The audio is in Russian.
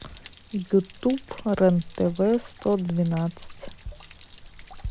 ютуб рен тв сто двенадцать